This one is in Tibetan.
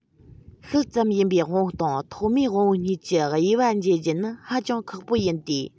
ཤུལ ཙམ ཡིན པའི དབང པོ དང ཐོག མའི དབང པོ གཉིས ཀྱི དབྱེ བ འབྱེད རྒྱུ ནི ཧ ཅང ཁག པོ ཡིན ཏེ